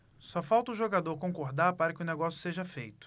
só falta o jogador concordar para que o negócio seja feito